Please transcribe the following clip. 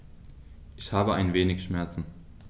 Ich habe ein wenig Schmerzen.